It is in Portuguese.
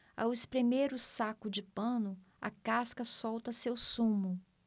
ao espremer o saco de pano a casca solta seu sumo